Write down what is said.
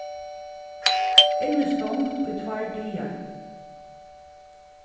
innistongd í tveir dagar